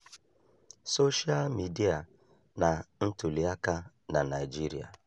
soshaa midịa na ntụliaka na Naịjirịa